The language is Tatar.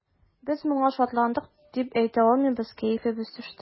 Без моңа шатландык дип әйтә алмыйбыз, кәефебез төште.